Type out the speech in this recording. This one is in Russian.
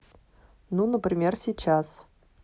ну например сейчас